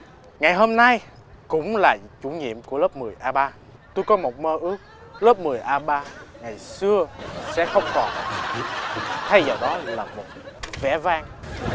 ngày hôm nay cũng là chủ nhiệm của lớp mười a ba tôi có một mơ ước lớp mười a ba ngày xưa sẽ không còn thay vào đó là một vẻ vang